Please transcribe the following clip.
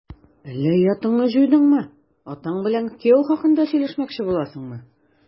Әллә оятыңны җуйдыңмы, атаң белән кияү хакында сөйләшмәкче буласыңмы? ..